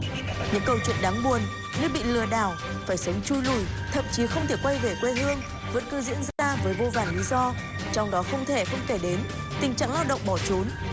những câu chuyện đáng buồn như bị lừa đảo phải sống chui lủi thậm chí không thể quay về quê hương vẫn cứ diễn ra với vô vàn lý do trong đó không thể không kể đến tình trạng lao động bỏ trốn